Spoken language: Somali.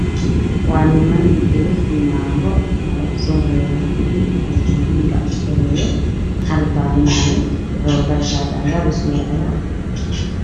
Waa niman iyo naago waxaa ugu soo horeeyo wiil dambiil gacanta kuhaayo oo carro daadinaayo, waxuu wataa shaati cagaar ah iyo surwaal cagaar ah.